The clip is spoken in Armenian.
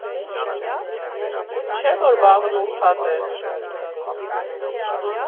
Չէ՞ որ վաղն ուրբաթ է։